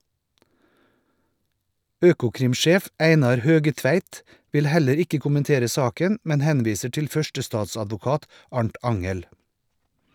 Økokrim-sjef Einar Høgetveit vil heller ikke kommentere saken, men henviser til førstestatsadvokat Arnt Angell.